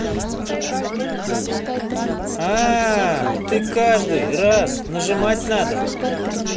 а ты каждый раз нажимать надо